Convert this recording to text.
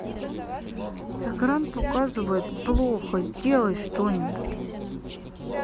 экран показывает плохо сделай что нибудь